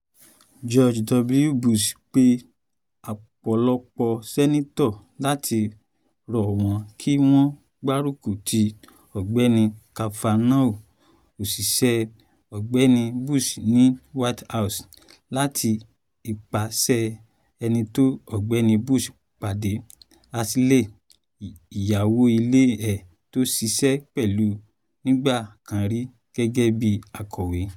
George W. Bush pe ọ̀pọ̀lọpọ̀ Sìnàtọ̀ láti rọ̀ wọn kí wọ́n gbárùkùtì Ọ̀gbẹni Kavanaugh, òṣìṣẹ́ Ọ̀gbẹni Bush ní White House. Làti ipasẹ̀ ẹ̀ ni Ọ̀gbẹni Bush pàdé Ashley, ìyàwó ilé ẹ̀ tó ṣiṣẹ́ pẹ̀lú nígbà kan rí gẹ́gẹ́ bí akọ̀wé,